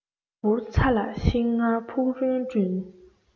ག བུར ཚྭ ལ ཤིང མངར ཕུག རོན བྲུན